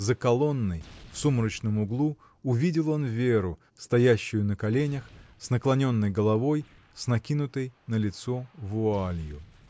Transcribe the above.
За колонной, в сумрачном углу, увидел он Веру, стоящую на коленях, с наклоненной головой, с накинутой на лицо вуалью.